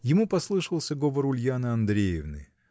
Ему послышался голос Ульяны Андреевны.